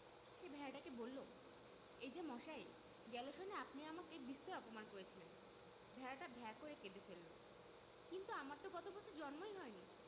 সে ভেড়াটাকে বলল এই যে মশাই গেল সনে আপনি আমাকে বিস্তর অপমান করেছিলেন ভেড়াটা ভ্যাঁ করে কেঁদে ফেলল কিন্তু আমার তো গত বছর জন্মই হয়নি